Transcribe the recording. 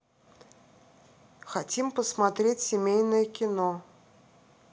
хотим посмотреть семейное кино